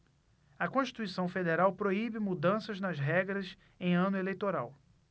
a constituição federal proíbe mudanças nas regras em ano eleitoral